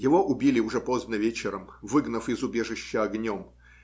Его убили уже поздно вечером, выгнав из убежища огнем.